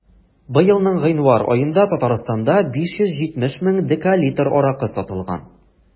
Быелның гыйнвар аенда Татарстанда 570 мең декалитр аракы сатылган.